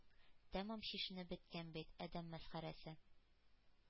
Тәмам чишенеп беткән бит! адәм мәсхәрәсе!